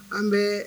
An bɛɛ